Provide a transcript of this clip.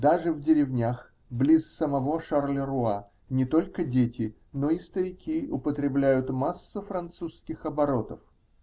Даже в деревнях, близ самого Шарлеруа, не только дети, но и старики употребляют массу французских оборотов.